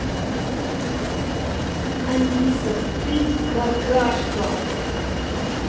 алиса ты какашка